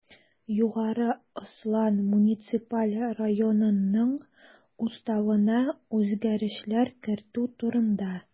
Югары Ослан муниципаль районынның Уставына үзгәрешләр кертү турында